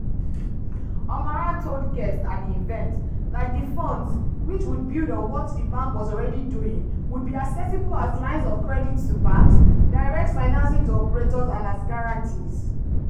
Omarah told guests at the event that the funds, which would build on what the bank was already doing, would be accessible as lines of credit to banks, direct financing to operators and as guarantees.